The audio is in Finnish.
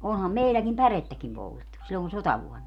onhan meilläkin pärettäkin poltettu silloin sotavuonna